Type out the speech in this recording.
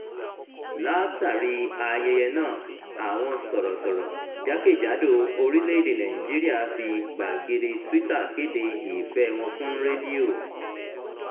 Látàrí ayẹyẹ náà, àwọn sọ̀rọ̀sọ̀rọ̀ jákèjádò orílẹ̀-èdèe Nàìjíríà fi gbàgede Twitter kéde ìfẹ́ ẹ wọn fún rédíò: